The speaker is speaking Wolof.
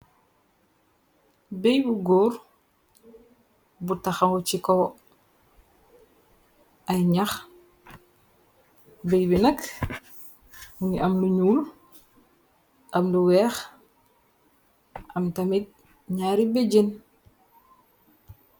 Béy bu góor bu taxa ci ko ay ñax. Béy bi nag ni am lunuul, am lu weex, am tamit naari béjen.